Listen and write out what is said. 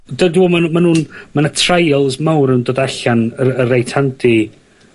Dy- dw- ma' nw ma' nw'n... Ma' 'na trials mawr yn dod allan y rei- y reit handi